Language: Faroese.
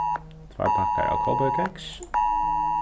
tveir pakkar av kovboykeks